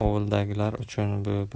ovuldagilar uchun bu